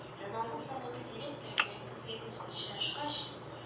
Һәм мамык заводы директоры белән күзгә-күз очрашкач